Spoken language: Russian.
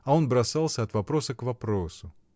А он бросался от вопроса к вопросу.